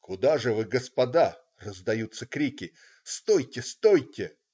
"Куда же вы, господа!" - раздаются крики. "Стойте! Стойте!.